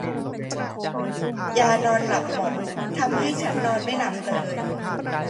ยานอนหลับหมดทำให้ฉันนอนไม่หลับเลย